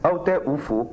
aw tɛ u fo